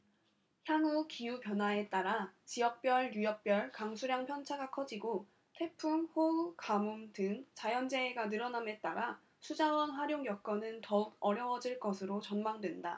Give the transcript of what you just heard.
향후 기후변화에 따라 지역별 유역별 강수량 편차가 커지고 태풍 호우 가뭄 등 자연재해가 늘어남에 따라 수자원 활용 여건은 더욱 어려워질 것으로 전망된다